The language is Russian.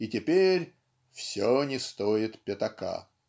и теперь "все не стоит пятака"